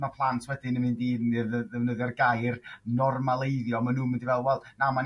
ma' plant wedyn yn mynd i ddefnyddio'r gair normaleiddio ma' n'w'n mynd i feddwl na ma'n